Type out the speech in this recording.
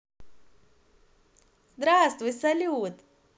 здравствуй салют